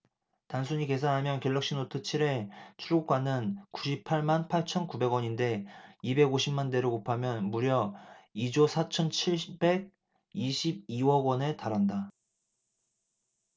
단순히 계산하면 갤럭시노트 칠 의 출고가는 구십 팔 만 팔천 구백 원인데 이백 오십 만대를 곱하면 무려 이 조 사천 칠백 이십 이 억원에 달한다